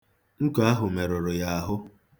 Nko ahụ merụrụ ya ahụ.